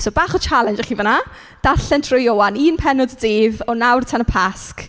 So bach o challenge i chi'n fan'na darllen trwy Ioan. Un pennod y dydd o nawr tan y Pasg.